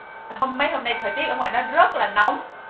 hôm mấy hôm nay thời tiết ở ngoài nó rất là nóng